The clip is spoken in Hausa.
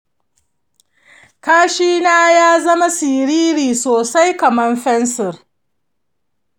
kashina ya zama siriri sosai kamar fensir.